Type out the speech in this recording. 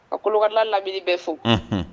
A kolo kulubalila labi bɛ fo